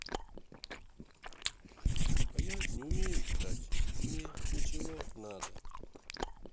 а я не умею читать мне нечего надо